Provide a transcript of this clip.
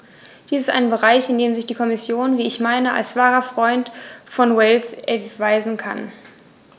Dies ist ein Bereich, in dem sich die Kommission, wie ich meine, als wahrer Freund von Wales erweisen kann.